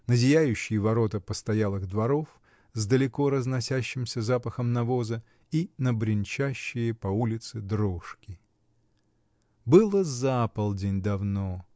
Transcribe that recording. на зияющие ворота постоялых дворов, с далеко разносящимся запахом навоза, и на бренчащие по улице дрожки. Было за полдень давно.